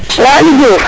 Waly Diouf